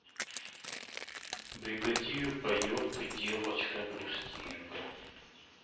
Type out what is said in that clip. бригадир поет ты девочка грустинка